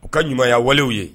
U ka ɲumanya walew ye